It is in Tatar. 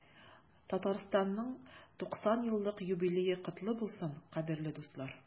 Татарстанның 90 еллык юбилее котлы булсын, кадерле дуслар!